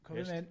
Co fe'n mynd.